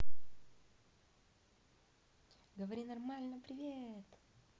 говори нормально привет